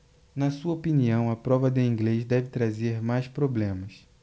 na sua opinião a prova de inglês deve trazer mais problemas